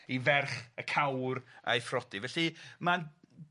i ferch y cawr a'i phrodi felly ma'n